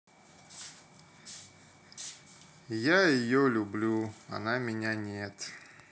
я ее люблю она меня нет